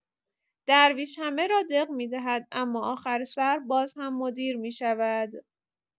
درویش همه را دق می‌دهد، اما آخر سر بازهم مدیر می‌شود!